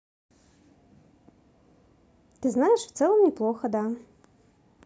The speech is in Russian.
ты знаешь в целом неплохо да